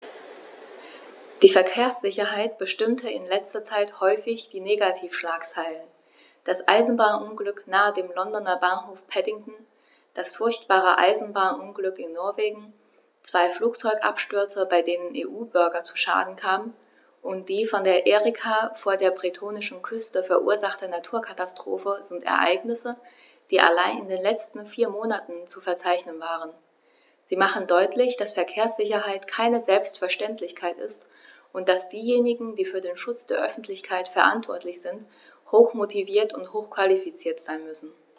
Die Verkehrssicherheit bestimmte in letzter Zeit häufig die Negativschlagzeilen: Das Eisenbahnunglück nahe dem Londoner Bahnhof Paddington, das furchtbare Eisenbahnunglück in Norwegen, zwei Flugzeugabstürze, bei denen EU-Bürger zu Schaden kamen, und die von der Erika vor der bretonischen Küste verursachte Naturkatastrophe sind Ereignisse, die allein in den letzten vier Monaten zu verzeichnen waren. Sie machen deutlich, dass Verkehrssicherheit keine Selbstverständlichkeit ist und dass diejenigen, die für den Schutz der Öffentlichkeit verantwortlich sind, hochmotiviert und hochqualifiziert sein müssen.